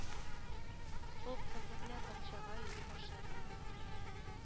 Ул кызы белән бакчага йөри башлады